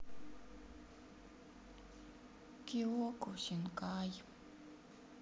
кеоку синкай